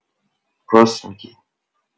راست می‌گی.